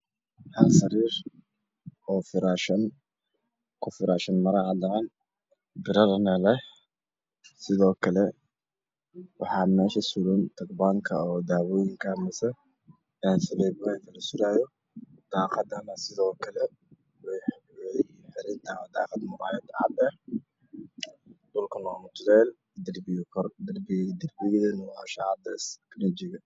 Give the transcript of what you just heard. Waxaa i muuqdo ah sariir nafar ah oo berri ka sameysan yahay buluug ah joodarigaas waxaa goob u ah waxa ka soo horjeedo daaqad